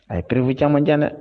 A ye traive caman tiɲɛ dɛ